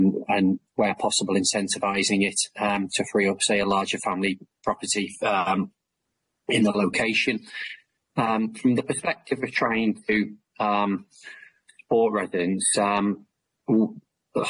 and and where possible incentivising it yym to free up say a larger family property yym in the location yym from the perspective of trying to yym support residents yym w-